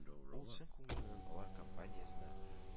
Ул чын күңеленнән алар компаниясенә